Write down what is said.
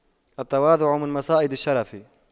التواضع من مصائد الشرف